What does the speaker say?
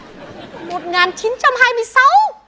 một ngàn chín trăm hai mươi sáu